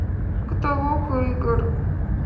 каталог игр